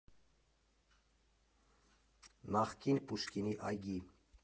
Նախկին Պուշկինի այգի։